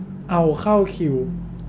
เอาเข้าคิว